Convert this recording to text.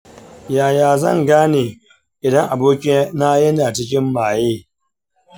yaya zan gane idan abokina yana cikin maye?